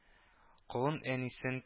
Колын әнисен